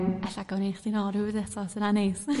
yym ella gawn i chdi nôl ryw bryd eto 'sa hynna'n neis.